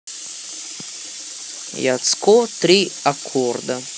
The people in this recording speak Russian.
яцко три аккорда